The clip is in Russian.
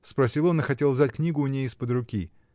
— спросил он и хотел взять книгу у ней из-под руки.